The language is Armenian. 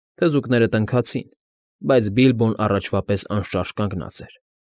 Թզուկները տնքացին, բայց Բիլբոն առաջվա պես անշարժ կանգնած էր։